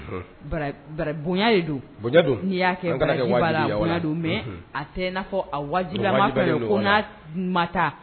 Bari , bonya de don, bonya don an kana'kɛ wajibi ye, n'i y'a kɛ, mais a tɛ i n'a fɔ a wajibi lama , wajib lamako n'i ma taa